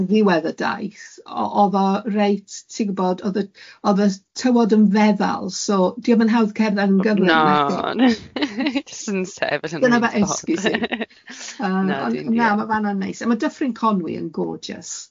Ar ddiwedd y daith, o- oedd o reit, ti'n gwybod, odd y, odd y tywod yn feddal, so dio'm yn hawdd cerdded yn gyflym... Na. ...na o fi'n jyst sefyll yna. Dyna ma' esgus i, yym ond na, ma' fan'na'n neis, a ma' Dyffryn Conwy yn gorgeous.